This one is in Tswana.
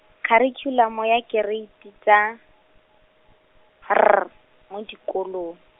kharikhulamo ya kereiti tsa, R, mo dikolong.